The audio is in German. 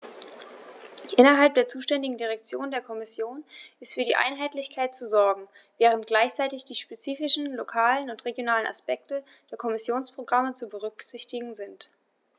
Innerhalb der zuständigen Direktion der Kommission ist für Einheitlichkeit zu sorgen, während gleichzeitig die spezifischen lokalen und regionalen Aspekte der Kommissionsprogramme zu berücksichtigen sind.